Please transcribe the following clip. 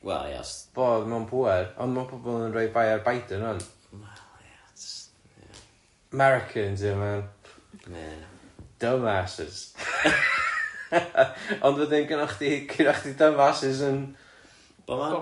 Well ia os... Fo oedd mewn pŵer ond ma' pobol yn rhoi bai ar Biden ŵan. Wel, ia ts- ie... Americans ie man? Ie. Dumbasses! Ond wedyn gynna chdi gynna chdi dumbasses yn... Bobman ...yn bobman.